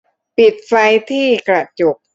ปิดไฟที่กระจก